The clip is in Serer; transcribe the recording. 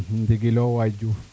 ndigilo waay Diouf